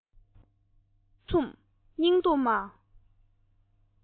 དགོངས པ མ ཚོམས སྙིང སྡུག མ